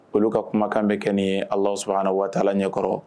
Olu ka kumakan bɛ kɛ ala sɔrɔ an waati ɲɛ kɔrɔ